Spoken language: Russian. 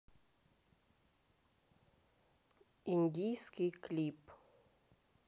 индийский клип